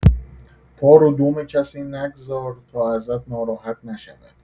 پا روی دم کسی نگذار تا ازت ناراحت نشود.